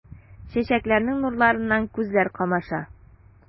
Чәчәкләрнең нурларыннан күзләр камаша.